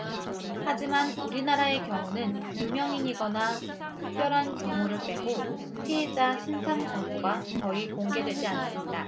하지만 우리나라의 경우는 유명인이거나 특별한 경우를 빼고 피의자 신상 정보가 거의 공개되지 않습니다